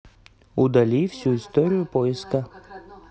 удали всю историю поиска